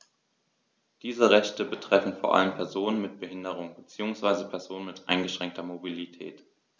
Diese Rechte betreffen vor allem Personen mit Behinderung beziehungsweise Personen mit eingeschränkter Mobilität.